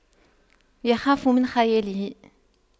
يخاف من خياله